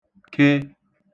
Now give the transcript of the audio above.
k̇e